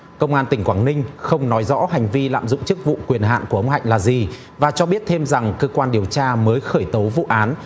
công an tỉnh quảng ninh không nói rõ hành vi lạm dụng chức vụ quyền hạn của ông hạnh là gì và cho biết thêm rằng cơ quan điều tra mới khởi tố vụ án